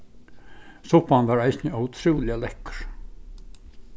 suppan var eisini ótrúliga lekkur